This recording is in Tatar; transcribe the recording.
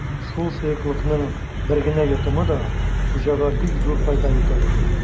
Шул сыеклыкның бер генә йотымы да хуҗага бик зур файда итәр иде.